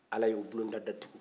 ala y'o bulonda da tugun